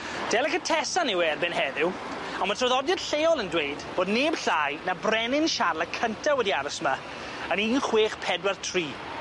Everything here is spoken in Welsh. Delicatessan yw e erbyn heddiw on' ma traddodiad lleol yn dweud bod neb llai na brenin Siarl y cynta wedi aros 'ma yn un chwech pedwar tri.